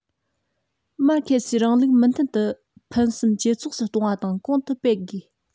མར ཁེ སིའི རིང ལུགས མུ མཐུད དུ ཕུན སུམ ཇེ ཚོགས སུ གཏོང བ དང གོང དུ སྤེལ དགོས